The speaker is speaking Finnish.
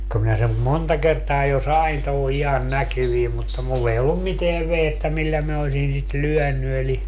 kun minä sen monta kertaa jo sain tuohon ihan näkyviin mutta minulla ei ollut mitään vehjettä millä minä olisin sitä lyönyt eli